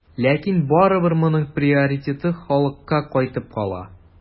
Ләкин барыбер моның приоритеты халыкка кайтып кала.